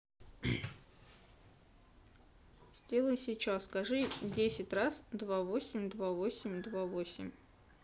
сделай сейчас скажи десять раз два восемь два восемь два восемь